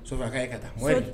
Sofɛ a kaɲi e ka taa